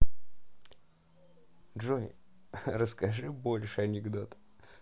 джой расскажи больше анекдот